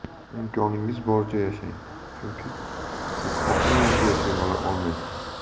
imkoningiz boricha yashang chunki siz xohlagancha yashay olmaysiz